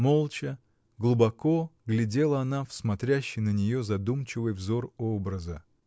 Молча, глубоко глядела она в смотрящий на нее, задумчивый взор образа.